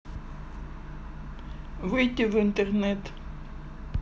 выйти в интернет